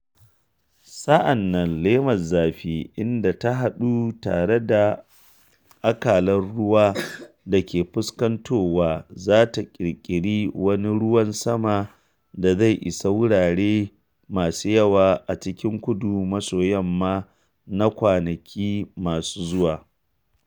Sa’an nan, laimar zafin idan ta haɗu tare da akalar ruwa da ke fuskantowa za ta ƙirƙiri wani ruwan sama da zai isa wurare masu yawa a cikin kudu-maso-yamma a kwanaki masu zuwa.